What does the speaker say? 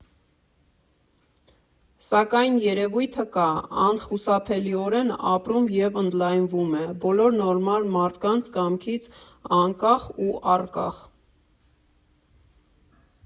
Սակայն երևույթը կա, անխուսափելիորեն ապրում և ընդլայնվում է՝ բոլոր նորմալ մարդկանց կամքից անկախ ու առկախ։